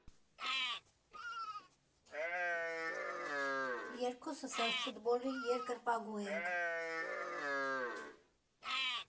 Երկուսս էլ ֆուտբոլի երկրպագու ենք։